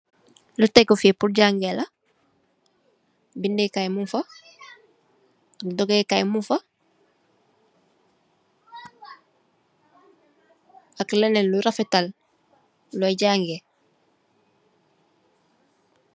Lo taagufi pur jageh la, bedey kai mugi fa, doge kai munge fa ak lenen lu refetal loi jageh.